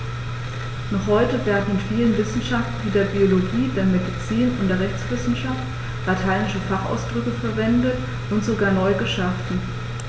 Noch heute werden in vielen Wissenschaften wie der Biologie, der Medizin und der Rechtswissenschaft lateinische Fachausdrücke verwendet und sogar neu geschaffen.